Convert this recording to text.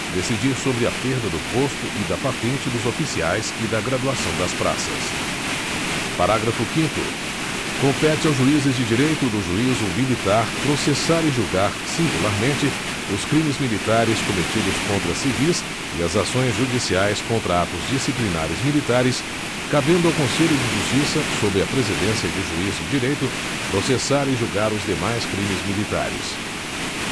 decidir sobre a perda do posto e da patente dos oficiais e da graduação das praças parágrafo quinto compete aos juízes de direito do juízo militar processar e julgar singularmente os crimes militares cometidos contra civis e as ações judiciais contra atos disciplinares militares cabendo ao conselho de justiça sob a presidência de juiz de direito processar e julgar os demais crimes militares